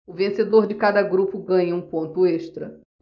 o vencedor de cada grupo ganha um ponto extra